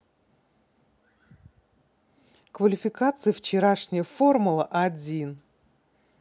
квалификация вчерашняя формула один